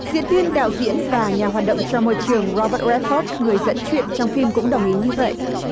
diễn viên đạo diễn và nhà hoạt động cho môi trường ro rét đót phớt người dẫn chuyện trong phim cũng đồng ý như vậy